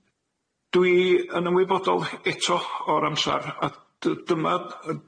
Dwi yn ymwybodol eto o'r amsar a dy- dyma yy